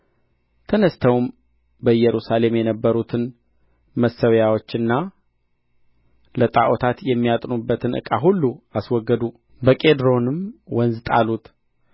ተነሥተውም በኢየሩሳሌም የነበሩትን መሠዊያዎችና ለጣዖታት የሚያጥኑበትን ዕቃ ሁሉ አስወገዱ በቄድሮንም ወንዝ ጣሉት